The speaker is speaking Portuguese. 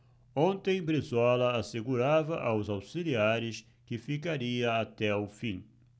ontem brizola assegurava aos auxiliares que ficaria até o fim